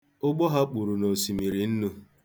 Ụgbọ ha kpuru n'òsìmìrì nnū